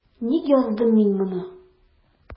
Ник яздым мин моны?